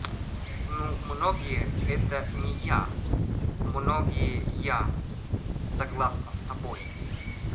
ну многие это не я многие я согласна с тобой